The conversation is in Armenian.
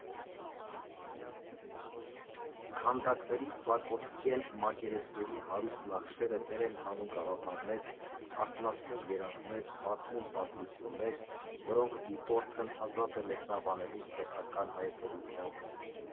Քանդակների ծակոտկեն մակերեսների հարուստ նախշերը վեր են հանում գաղափարներ, արթնացնում երազներ, պատմում պատմություններ, որոնք դիտորդն ազատ է մեկնաբանելու սեփական հայեցողությամբ։